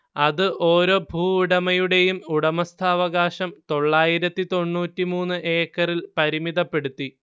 അത് ഓരോ ഭൂവുടമയുടെയും ഉടമസ്ഥാവകാശം തൊള്ളായിരത്തി തൊണ്ണൂറ്റി മൂന്ന് ഏക്കറിൽ പരിമിതപ്പെടുത്തി